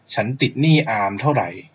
ฉันติดหนี้อามเท่าไร